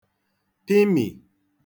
pịmi